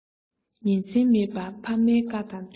ཉིན མཚན མེད པ ཕ མའི བཀའ དང བསྟུན